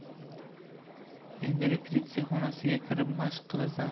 endi repetitsiya xonasiga kirib mashq qilasan